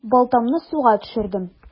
Балтамны суга төшердем.